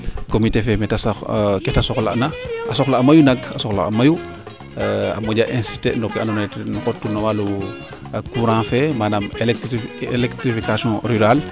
comité fee mete soxla na a soxla mayu nak a soxla a mayu a muja insister o ke ando naye ten xotu no waalu courant fee manaam electrification rurale